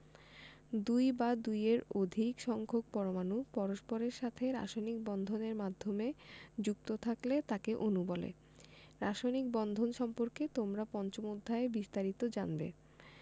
দুই বা দুইয়ের অধিক সংখ্যক পরমাণু পরস্পরের সাথে রাসায়নিক বন্ধন এর মাধ্যমে যুক্ত থাকলে তাকে অণু বলে রাসায়নিক বন্ধন সম্পর্কে তোমরা পঞ্চম অধ্যায়ে বিস্তারিত জানবে